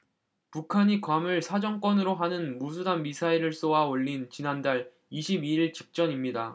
북한이 괌을 사정권으로 하는 무수단 미사일을 쏘아 올린 지난달 이십 이 일 직전입니다